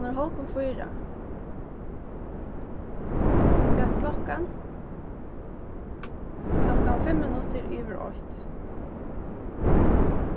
hon er hálvgum fýra hvat klokkan klokkan fimm minuttir yvir eitt